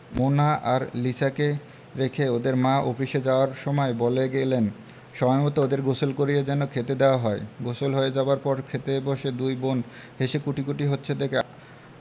মোনা আর লিসাকে রেখে ওদের মা অফিসে যাবার সময় বলে গেলেন সময়মত ওদের গোসল করিয়ে যেন খেতে দেওয়া হয় গোসল হয়ে যাবার পর খেতে বসে দুই বোন হেসে কুটিকুটি হচ্ছে দেখে